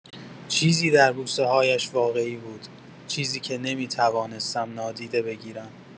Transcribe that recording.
چیزی در بوسه‌هایش واقعی بود، چیزی که نمی‌توانستم نادیده بگیرم.